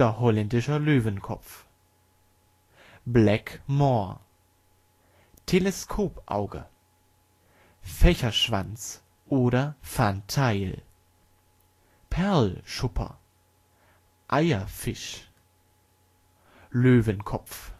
Holländischer Löwenkopf Black Moor Teleskopauge Fächerschwanz o. Fantail Perlschupper Eierfisch Löwenkopf